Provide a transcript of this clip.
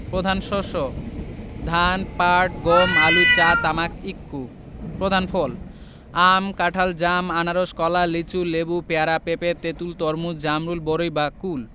প্রধান শস্যঃ ধান পাট গম আলু চা তামাক ইক্ষু প্রধান ফলঃ আম কাঁঠাল জাম আনারস কলা লিচু লেবু পেয়ারা পেঁপে তেঁতুল তরমুজ জামরুল বরই বা কুল